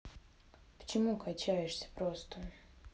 почему качаешься просто